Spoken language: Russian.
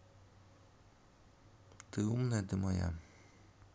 ты умная ты моя